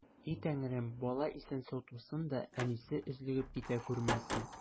И Тәңрем, бала исән-сау тусын да, әнисе өзлегеп китә күрмәсен!